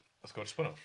Ie wrth gwrs bod nhw.